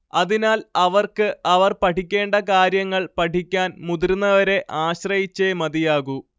അതിനാൽ അവർക്ക് അവർ പഠിക്കേണ്ട കാര്യങ്ങൾ പഠിക്കാൻ മുതിർന്നവരെ ആശ്രയിച്ചേ മതിയാകൂ